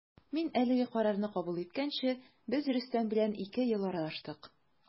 Мин әлеге карарны кабул иткәнче без Рөстәм белән ике ел аралаштык.